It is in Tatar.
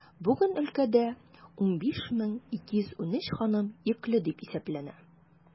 Бүген өлкәдә 15213 ханым йөкле дип исәпләнә.